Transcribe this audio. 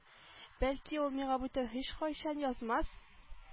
Бәлки ул миңа бүтән һичкайчан язмас